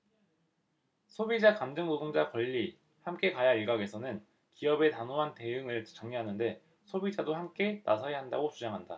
소비자 감정노동자 권리 함께 가야일각에서는 기업의 단호한 대응을 장려하는데 소비자도 함께 나서야 한다고 주장한다